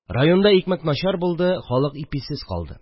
Районда икмәк начар булды, халык иписез калды